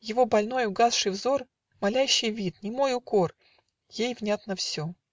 Его больной, угасший взор, Молящий вид, немой укор, Ей внятно все.